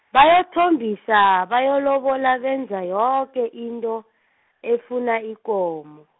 bayathombisa bayalobola benza yoke into, efuna ikomo.